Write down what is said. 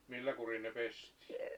millä kurin ne pestiin